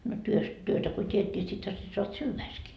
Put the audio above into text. no työstä työtä kun teet niin sittenhän se saat syödäksesikin